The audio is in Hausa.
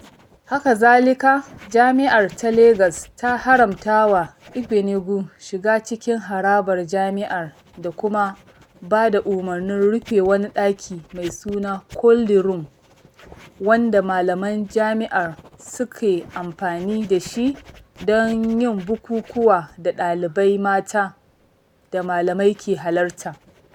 Haka zalika, Jami'ar ta Legas ta haramtawa Igbeneghu shiga cikin harabar Jami'ar da kuma ba da umarnin rufe wani ɗaki mai suna "cold room" wanda malaman jami'ar suke amfani da shi don yin bukukuwa da ɗalibai mata da malamai ke halarta.